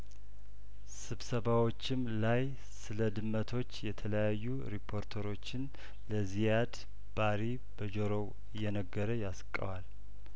ስብሰባዎችም ላይ ስለድመቶች የተለያዩ ሪፖርተሮችን ለዚያድ ባሪ በጆሮው እየነገረ ያስቀዋል